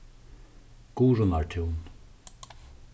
guðrunartún